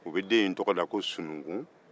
u bɛ den in tɔgɔ da ko sununkun